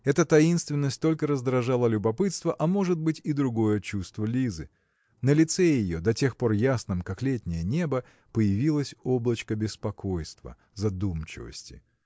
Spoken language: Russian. Эта таинственность только раздражала любопытство а может быть и другое чувство Лизы. На лице ее до тех пор ясном как летнее небо появилось облачко беспокойства задумчивости.